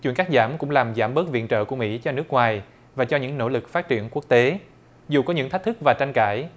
chuyện cắt giảm cũng làm giảm bớt viện trợ của mỹ cho nước ngoài và cho những nỗ lực phát triển quốc tế dù có những thách thức và tranh cãi